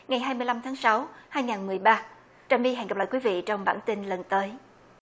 ngày hai mươi lăm tháng sáu hai nghìn mười ba trà my hẹn gặp lại quý vị trong bản tin lần tới